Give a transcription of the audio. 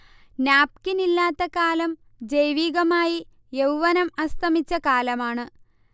നാപ്കിനില്ലാത്ത കാലം ജൈവികമായി യൗവ്വനം അസ്തമിച്ച കാലമാണ്